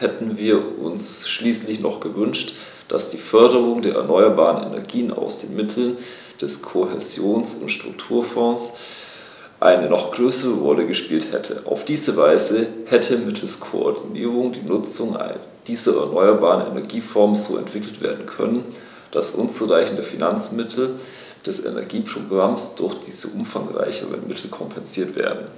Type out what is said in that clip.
hätten wir uns schließlich noch gewünscht, dass die Förderung der erneuerbaren Energien aus den Mitteln des Kohäsions- und Strukturfonds eine noch größere Rolle gespielt hätte. Auf diese Weise hätte mittels Koordinierung die Nutzung dieser erneuerbaren Energieformen so entwickelt werden können, dass unzureichende Finanzmittel des Energieprogramms durch diese umfangreicheren Mittel kompensiert werden.